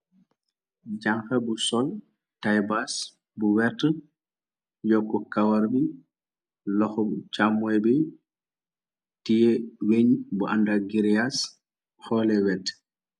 Janxa bu sol taybaas bu wet yokk kawarmi lox càmmoy bi tie weñ bu anda gireas xoole wet.